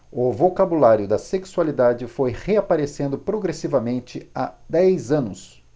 o vocabulário da sexualidade foi reaparecendo progressivamente há dez anos